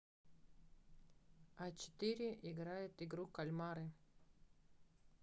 а четыре играет игру кальмары